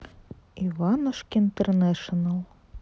иванушки интернейшнл